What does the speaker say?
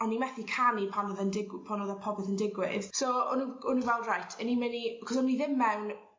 o'n i methu canu pan o'dd e'n dig- pan o'dd y popeth yn digwydd so o'n n'w o'n n'w fel reit 'yn ni myn' i... 'C'os o'n i ddim mewn